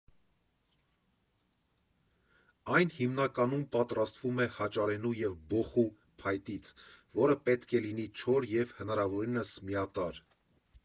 Այն հիմնականում պատրաստվում է հաճարենու և բոխու փայտից, որը պետք է լինի չոր և հնարավորինս միատարր։